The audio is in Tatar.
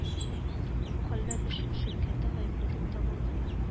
Бу хәлләр өчен ширкәте гаепле дип табылды